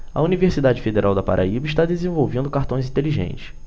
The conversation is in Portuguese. a universidade federal da paraíba está desenvolvendo cartões inteligentes